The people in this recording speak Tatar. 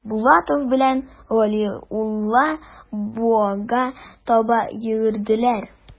Булатов белән Галиулла буага таба йөгерделәр.